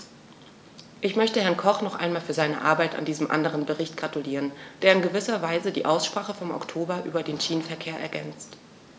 Ich möchte Herrn Koch noch einmal für seine Arbeit an diesem anderen Bericht gratulieren, der in gewisser Weise die Aussprache vom Oktober über den Schienenverkehr ergänzt.